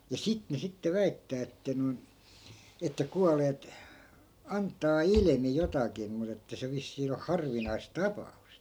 ja sitä ne sitten väittää että noin että kuolleet antaa ilmi jotakin mutta että se vissiin on harvinaista tapausta